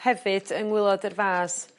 hefyd yng ngwylod yr fas